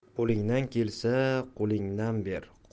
qo'lingdan kelsa qo'lingdan ber